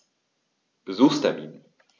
Besuchstermin